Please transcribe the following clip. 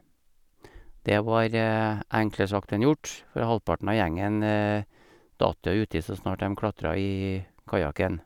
Det var enklere sagt enn gjort, for halvparten av gjengen datt jo uti så snart dem klatra i kajaken.